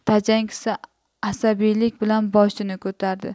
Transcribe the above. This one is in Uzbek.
tajang kishi asabiylik bilan boshini ko'tardi